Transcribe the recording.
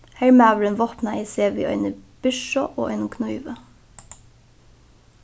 hermaðurin vápnaði seg við eini byrsu og einum knívi